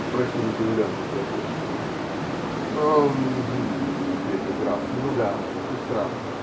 -- спросил удивленный профессор. -- Э? Гм. -- ответил граф. -- Ну да, сестре.